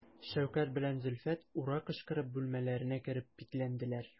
Шәүкәт белән Зөлфәт «ура» кычкырып бүлмәләренә кереп бикләнделәр.